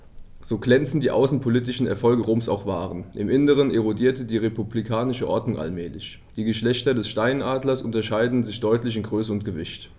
So glänzend die außenpolitischen Erfolge Roms auch waren: Im Inneren erodierte die republikanische Ordnung allmählich. Die Geschlechter des Steinadlers unterscheiden sich deutlich in Größe und Gewicht.